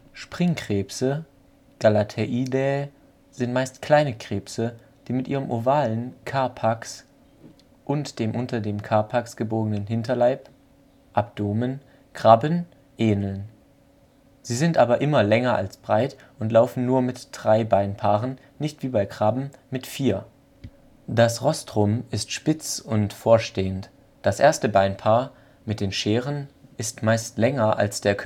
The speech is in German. Springkrebse (Galatheidae) sind meist kleine Krebse, die mit ihrem ovalen Carapax und dem unter den Carapax gebogen Hinterleib (Abdomen), Krabben (Brachyura) ähneln. Sie sind aber immer länger als breit und laufen nur mit drei Beinpaaren, nicht wie die Krabben mit vier. Das Rostrum ist spitz und vorstehend. Das erst Beinpaar, mit den Scheren, ist meist länger als der